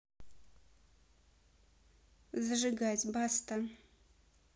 зажигать баста